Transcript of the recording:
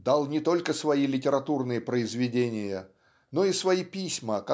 дал не только свои литературные произведения но и свои письма